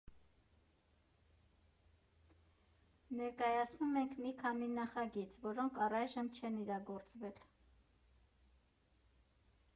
Ներկայացնում ենք մի քանի նախագիծ, որոնք առայժմ չեն իրագործվել։